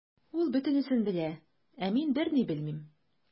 Ул бөтенесен белә, ә мин берни белмим.